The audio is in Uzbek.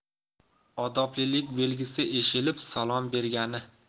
odoblilik belgisi eshilib salom bergani